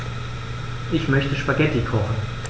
Ich möchte Spaghetti kochen.